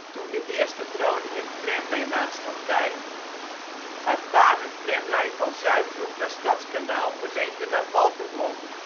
toen de Eerste Groninger Tramway-Maatschappij haar paardentramlijn van Zuidbroek naar Stadskanaal verlengde naar Valthermond